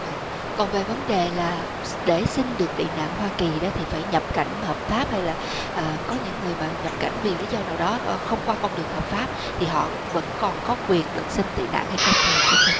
còn về vấn đề là để xin được tị nạn ở hoa kỳ đó thì phải nhập cảnh hợp pháp hay là a có những người mà nhập cảnh vì lý do nào đó không qua con đường hợp pháp thì họ vẫn còn có quyền được xin tị nạn hay không thưa luật sư khanh